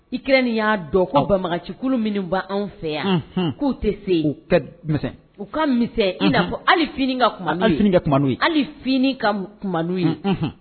Ikrin y'a dɔn bamanancikulu minnuba anw fɛ yan k'u tɛ se kasɛn u ka misɛn in'a fɔ ali fini ka kuma fini kɛ kuma ye hali fini ka kuma ye